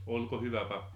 oliko hyvä pappi